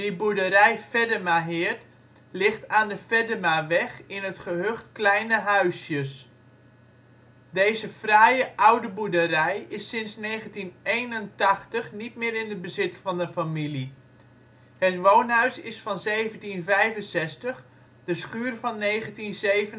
boerderij Feddemaheerd ligt aan de Feddemaweg in het gehucht Kleine Huisjes. Deze fraaie oude boerderij is sinds 1981 niet meer in het bezit van de familie. Het woonhuis is van 1765, de schuur van 1977